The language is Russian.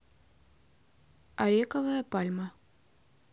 арековая пальма